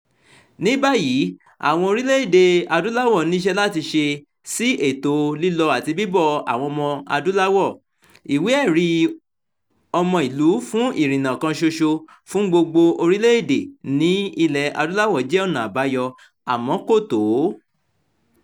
Níbàyìí, àwọn orílẹ̀-èdè Ilẹ̀-adúláwọ̀ níṣẹ́ láti ṣe sí ètò lílọ-àti-bíbọ̀ àwọn ọmọadúláwọ̀. Ìwé-ẹ̀rí-ọmọìlú-fún-ìrìnnà kan ṣoṣo fún gbogbo orílẹ̀-èdè ní Ilẹ̀-adúláwọ̀ jẹ́ ọ̀nà àbáyọ — àmọ́ kò tó.